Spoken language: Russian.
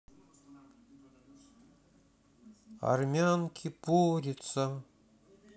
армянки порется